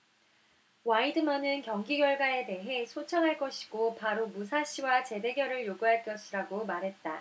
와이드먼은 경기 결과에 대해 소청할 것이고 바로 무사시와 재대결을 요구할 것이라고 말했다